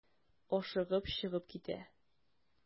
Ашыгып чыгып китә.